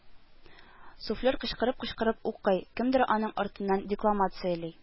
Суфлер кычкырып-кычкырып укый, кемдер аның артыннан декламацияли